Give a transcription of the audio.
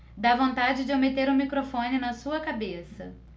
dá vontade de eu meter o microfone na sua cabeça